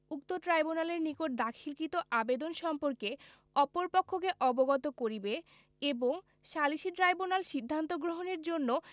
উক্ত ট্রাইব্যুনালের নিকট দাখিলকৃত আবেদন সম্পর্কে অপর পক্ষকে অবগত করিবে এবং সালিসী ট্রাইব্যুনাল সিদ্ধান্ত গ্রহণের জন্য